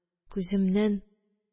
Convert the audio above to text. Күземнән